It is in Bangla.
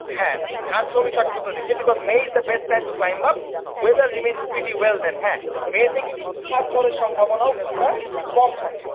হ্যাঁ খান সৌমিক সঠিক উত্তর দিয়েছে because May is the best time to climb up weather remains pretty well then May তে কিন্তু তুষার ঝড়ের সম্ভাবনা ও কিছুটা কম থাকে